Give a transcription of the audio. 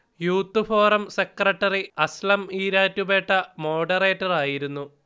youth forum secretary Aslam Erattupetta മോഡറേറ്ററായിരുന്നു